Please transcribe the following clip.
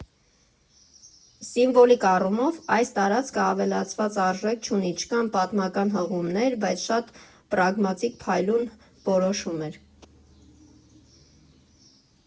Սիմվոլիկ առումով այս տարածքը ավելացված արժեք չունի, չկան պատմական հղումներ, բայց շատ պրագմատիկ, փայլուն որոշում էր։